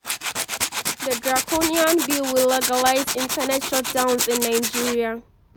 The draconian bill will legalize internet shutdowns in Nigeria